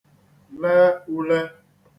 le ulē